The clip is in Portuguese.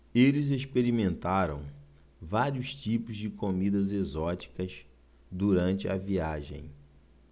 eles experimentaram vários tipos de comidas exóticas durante a viagem